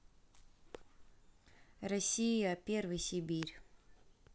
россия первый сибирь